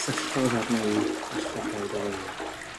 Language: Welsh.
syllodd arna i â llygaid oer.